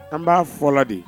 An b'a fɔlɔ de